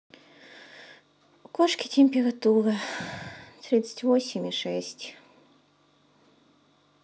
у кошки температура тридцать восемь и шесть